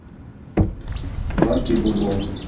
лаки бо бо